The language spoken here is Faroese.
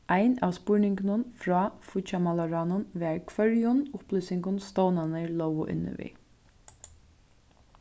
ein av spurningunum frá fíggjarmálaráðnum var hvørjum upplýsingum stovnarnir lógu inni við